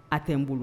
A tɛ n bolo